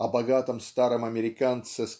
о богатом старом американце